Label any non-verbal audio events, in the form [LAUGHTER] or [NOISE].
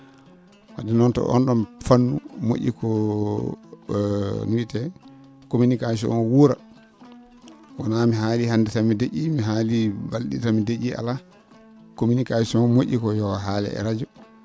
wadde noon to oon ?oon fannu mo??i ko [HESITATION] no wiyetee communication oo wura wonaa mi haalii hannde tan mi de??ii mi haalii bal?e ?i?i tan mi de??ii alaa communication mo??i ko yo o haalee e radio